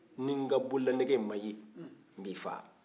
ni n ka bololanɛgɛ ma ye n b'i faga